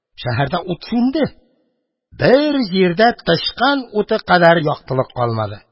Шәһәрдә ут сүнде, бер җирдә тычкан уты кадәр яктылык калмады.